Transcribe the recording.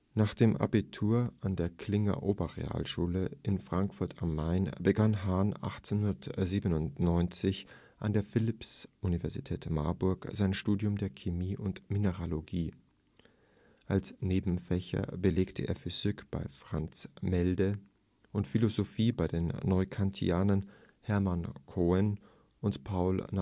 Nach dem Abitur an der Klinger-Oberrealschule in Frankfurt am Main begann Hahn 1897 an der Philipps-Universität Marburg sein Studium der Chemie und Mineralogie, als Nebenfächer belegte er Physik bei Franz Melde und Philosophie bei den Neukantianern Hermann Cohen und Paul